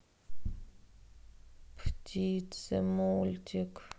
птицы мультик